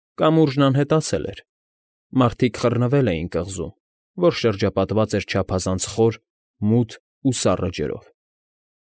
Կամուրջն անհետացել էր, մարդիկ խռնվել էին կղզում, որ շրջապատված էր չափազանց խոր, մութ ու սառը ջրով։